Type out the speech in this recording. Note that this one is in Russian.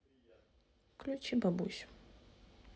включи бабусю